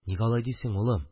– ник алай дисең, улым